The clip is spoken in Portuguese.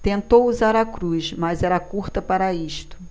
tentou usar a cruz mas era curta para isto